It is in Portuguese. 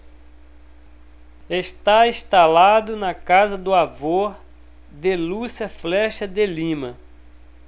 está instalado na casa do avô de lúcia flexa de lima